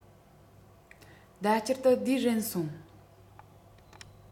ཟླ དཀྱིལ དུ བསྡུས རན སོང